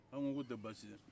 an ko o tɛ baasi ye